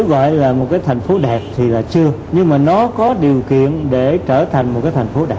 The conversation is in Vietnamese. nếu gọi là một cái thành phố đẹp thì là chưa nhưng mà nó có điều kiện để trở thành một cái thành phố đẹp